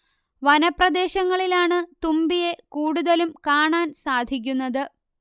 വനപ്രദേശങ്ങളിലാണ് തുമ്പിയെ കൂടുതലും കാണാൻ സാധിക്കുന്നത്